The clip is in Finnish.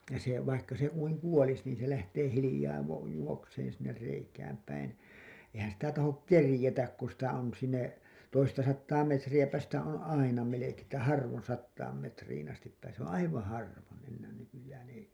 se vaikka se kuinka kuolisi niin se lähtee hiljaa - juoksemaan sinne reikään päin eihän sitä tahdo keritä kun sitä on sinne toista sataa metriäpä sitä on aina melkein että harvoin sataan metriin asti pääsee se on aivan harvoin enää nykyään ei